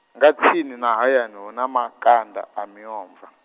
nga tsini na hayani, hu na makanda, a miomva.